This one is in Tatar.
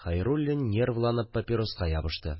Хәйруллин нервланып папироска ябышты